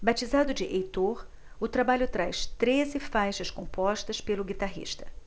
batizado de heitor o trabalho traz treze faixas compostas pelo guitarrista